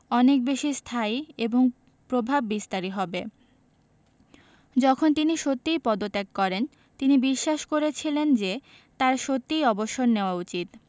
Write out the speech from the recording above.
অনেক বেশি স্থায়ী এবং প্রভাববিস্তারী হবে যখন তিনি সত্যিই পদত্যাগ করেন তিনি বিশ্বাস করেছিলেন যে তাঁর সত্যিই অবসর নেওয়া উচিত